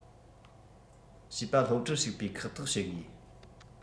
བྱིས པ སློབ གྲྭར ཞུགས པའི ཁག ཐེག བྱེད དགོས